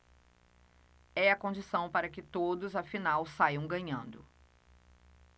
é a condição para que todos afinal saiam ganhando